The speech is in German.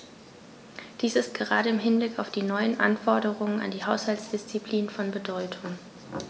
Dies ist gerade im Hinblick auf die neuen Anforderungen an die Haushaltsdisziplin von Bedeutung.